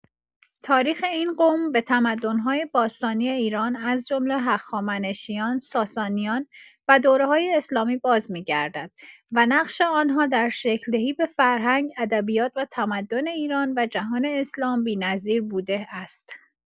تاریخ این قوم به تمدن‌های باستانی ایران از جمله هخامنشیان، ساسانیان و دوره‌های اسلامی بازمی‌گردد و نقش آن‌ها در شکل‌دهی به فرهنگ، ادبیات و تمدن ایران و جهان اسلام بی‌نظیر بوده است.